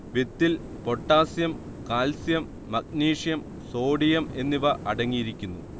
വിത്തിൽ പൊട്ടാസ്യം കാൽസ്യം മഗ്നീഷ്യംസോഡിയം എന്നിവ അടങ്ങിയിരിക്കുന്നു